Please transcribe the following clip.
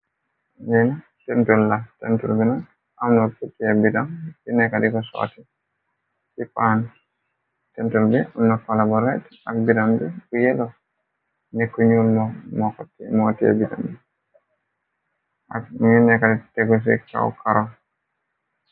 Nina tentul la tentur bina amno puteer bidam bi nekkadiko sooti ci paan tentur bi amnakola ba ret ak biram bi bu yelo ni ku ñul moxoti moo teer bidam ak ñuy nekkali tegu ci kaw karo.